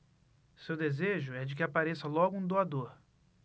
seu desejo é de que apareça logo um doador